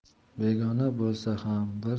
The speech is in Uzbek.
begona bo'lsa ham bir